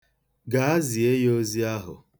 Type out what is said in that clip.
Gaa, zie ya ozi ahụ.